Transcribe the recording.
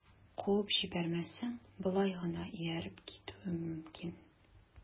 Куып җибәрмәсәң, болай гына ияреп китүем мөмкин...